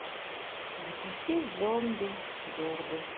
запустить зомби дерби